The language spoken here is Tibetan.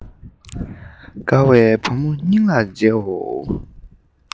དགའ བའི བུ མོ སྙིང ལ རྗེ བོ